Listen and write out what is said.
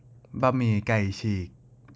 บะหมี่ไก่ฉีก